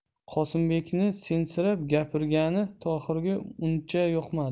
qosimbekning sensirab gapirgani tohirga uncha yoqmadi